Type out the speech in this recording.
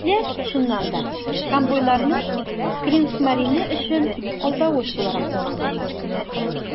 Инглизләр, чыннан да, конвойларны Кригсмарине өчен алдавыч буларак кулланганнар.